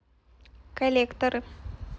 коллекторы